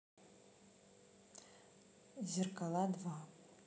зеркала два